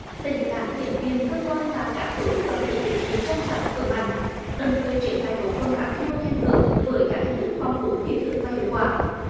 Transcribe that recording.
xây dựng đảng chính quyền cơ quan và các tổ chức đoàn thể chính trị trong sạch vững mạnh đồng thời triển khai tổ công tác thi đua khen thưởng với các hình thức phong phú thiết thực và hiệu quả